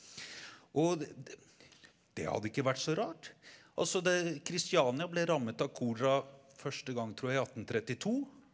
og det hadde ikke vært så rart, altså det Christiania ble rammet av kolera første gang tror jeg i attentrettito.